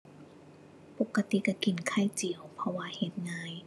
ปกติก็กินไข่เจียว เพราะว่าเฮ็ดง่าย